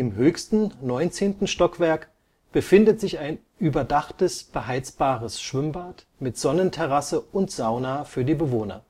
höchsten, 19. Stockwerk befindet sich ein überdachtes beheizbares Schwimmbad mit Sonnenterrasse und Sauna für die Bewohner